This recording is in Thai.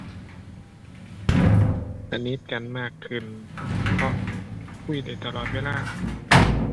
สนิทกันมากขึ้นเพราะคุยได้ตลอดเวลา